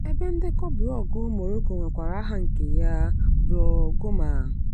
Ebe ndekọ blọọgụ Morocco nwekwara aha nke ya - Blogoma.